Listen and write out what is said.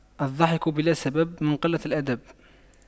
الضحك بلا سبب من قلة الأدب